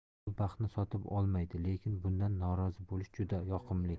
pul baxtni sotib olmaydi lekin bundan norozi bo'lish juda yoqimli